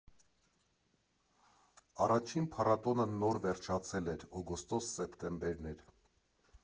Առաջին փառատոնը նոր վերջացել էր, օգոստոս֊սեպտեմբերն էր։